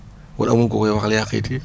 wala amul ku koy waxal yaa xayti